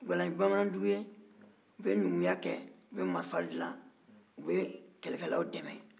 guwalan ye bamanandugu ye u bɛ numuya kɛ u bɛ marifa dilan u bɛ kɛlɛkɛlaw dɛmɛ